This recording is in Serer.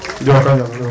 Njooko njal.